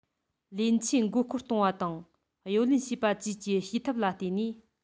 ལེན ཆེད མགོ བསྐོར གཏོང བ དང གཡོ ལེན བྱེད པ བཅས ཀྱི བྱེད ཐབས ལ བརྟེན ནས